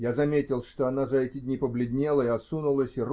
Я заметил, что она за эти дни побледнела и осунулась.